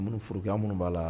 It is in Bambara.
Minnu furuuruuguya minnu b'a la